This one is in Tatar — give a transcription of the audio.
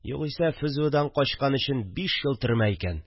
– югыйсә, фзодан качкан өчен биш ел төрмә икән